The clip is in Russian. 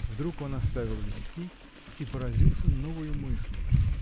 Вдруг он оставил листки — и поразился новою мыслью.